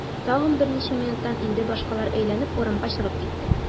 Тагын берничә минуттан инде башлар әйләнеп, урамга чыгып киттек.